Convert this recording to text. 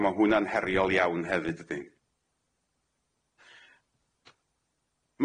A ma' hwnna'n heriol iawn hefyd dydi?